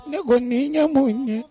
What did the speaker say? Ne ko nin i ɲɛ mun n ɲɛ